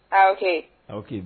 Aw kɛ awki